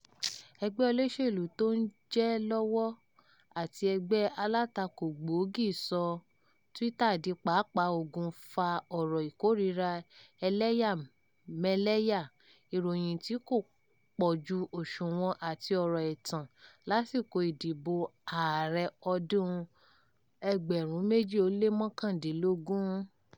Ẹgbẹ́ olóṣèlúu tí ó ń jẹ lọ́wọ́ àti ẹgbẹ́ alátakò gbòógì sọ Twitter di pápá ogun fa ọ̀rọ̀ ìkórìíra ẹlẹ́yàmẹ́lẹ́yá, ìròyìn tí kò pójú òṣùwọ̀n àti ọ̀rọ̀ ẹ̀tàn lásìkò ìdìbò ààrẹ ọdún-un 2019.